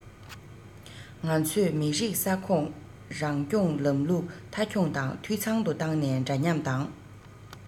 ང ཚོས མི རིགས ས ཁོངས རང སྐྱོང ལམ ལུགས མཐའ འཁྱོངས དང འཐུས ཚང དུ བཏང ནས འདྲ མཉམ དང